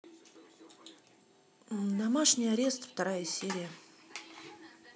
домашний арест вторая серия